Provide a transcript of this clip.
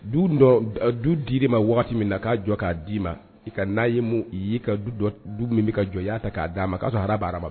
Du dɔ du dira ma waati min na k'a jɔ k'a d'i ma i ka n'a ye mun i y'i ka du dɔ du min bɛ ka jɔ y' ta k' d'a ma k'a sɔrɔ hara bara ha ma